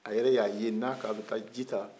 a yɛrɛ y'a ye n'a ko a bɛ ji ta